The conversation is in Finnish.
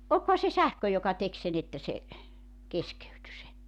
olikohan se sähkö joka teki sen että se keskeytyi se